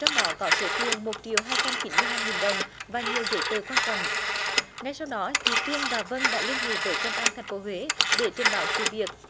trong đó có số tiền một triệu hai trăm chín mươi hai nghìn đồng và nhiều giấy tờ quan trọng ngay sau đó chị phương và vân đã liên hệ với công an thành phố huế để trình báo sự việc